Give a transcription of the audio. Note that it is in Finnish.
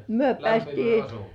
me päästiin